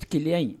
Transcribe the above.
Kelenya